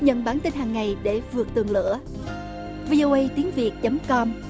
nhận bản tin hằng ngày để vượt tường lửa vi ô ây tiếng việt chấm com